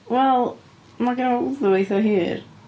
Wel, mae ganddo fo wddw eitha hir.